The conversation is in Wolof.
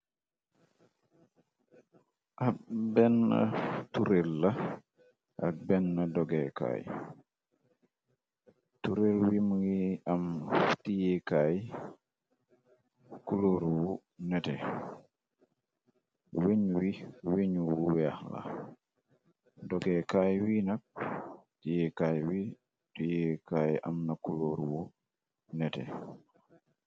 Ab benn turel la ak benn dogeekaay turel wimngi am tiyéekaay kulóor wu nete weñ wi weñu wu weex la dogekaay wi nak tiyéekaay wi tuyeekaay am na kulóor wu nete